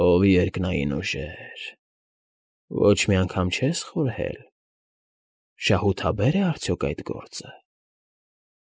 Ո՜վ երկնային ուժեր… Ոչ մի անգամ չե՞ս խորհել՝ շահութաբե՞ր է արդյոք այդ գործը։